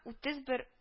Үтез бер